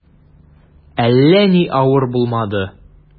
Әллә ни авыр булмады.